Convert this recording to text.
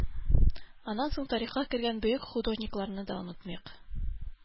Аннан соң тарихка кергән бөек художникларны да онытмыйк.